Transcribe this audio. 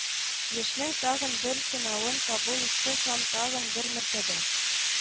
Ешнең тагын бер сынавын кабул итте һәм тагын бер мәртәбә